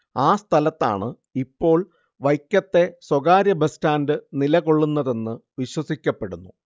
ആ സ്ഥലത്താണ് ഇപ്പോൾ വൈക്കത്തെ സ്വകാര്യ ബസ് സ്റ്റാന്റ് നിലകൊള്ളുന്നതെന്ന് വിശ്വസിക്കപ്പെടുന്നു